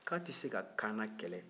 k'a tɛ se ka kaana kɛlɛ